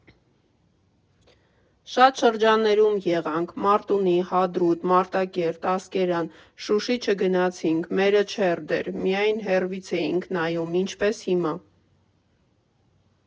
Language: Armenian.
Շատ շրջաններում եղանք՝ Մարտունի, Հադրութ, Մարտակերտ, Ասկերան, Շուշի չգնացինք, մերը չէր դեռ, միայն հեռվից էինք նայում՝ ինչպես հիմա։